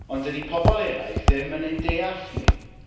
Ond dydy pobl eraill ddim yn ein deall ni.